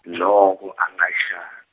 noko angikasha-.